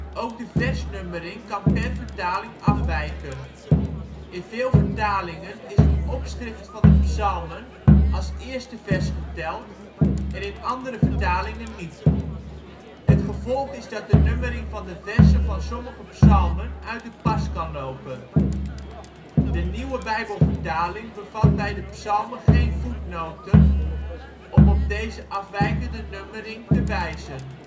Ook de versnummering kan per vertaling afwijken. In veel vertalingen is het opschrift van de psalmen als eerste vers geteld, en in andere vertalingen niet. Het gevolg is dat de nummering van de verzen van sommige psalmen uit de pas kan lopen. De Nieuwe Bijbelvertaling bevat bij de psalmen geen voetnoten om op deze afwijkende nummering te wijzen